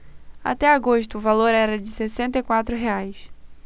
até agosto o valor era de sessenta e quatro reais